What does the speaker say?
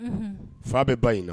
Fa bɛ ba in na